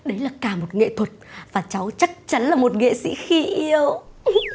đấy là cả một nghệ thuật và cháu chắc chắn là một nghệ sĩ khi yêu